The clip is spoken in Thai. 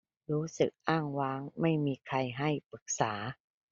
รู้สึกอ้างว้างไม่มีใครให้ปรึกษา